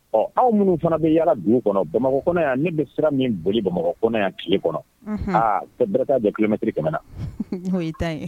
Ɔ aw minnu fana bɛ yala dugu kɔnɔ bamakɔ kɔnɔ yan ne bɛ sira min boli bamakɔ kɔnɔ yan tile kɔnɔ tɛ bɛ de tilemɛtiri kɛmɛɛna o'o ye' ye